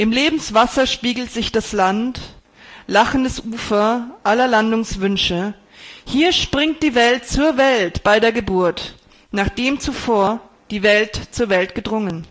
Lebenswasser spiegelt sich das Land, lachendes Ufer aller Landungswünsche. Hier springt die Welt zur Welt bei der Geburt, nachdem zuvor die Welt zur Welt gedrungen